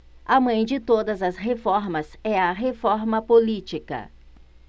a mãe de todas as reformas é a reforma política